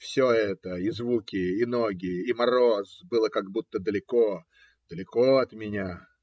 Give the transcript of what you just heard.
Все это: и звуки, и ноги, и мороз - было как будто далеко-далеко от меня.